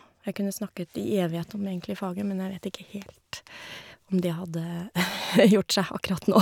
Jeg kunne snakket i evighet om egentlig faget, men jeg vet ikke helt om det hadde gjort seg akkurat nå.